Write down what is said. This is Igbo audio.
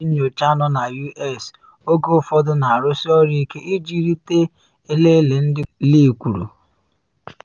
Ndị nyocha nọ na U.S. oge ụfọdụ na arụsị ọrụ ike iji rite elele ndị gọọmentị, Lee kwuru.